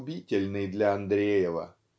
губительный для Андреева.